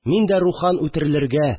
Мин дә рухан үтерелергә